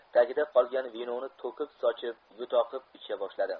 tagida qolgan vinoni to'kib sochib yutoqib icha boshladi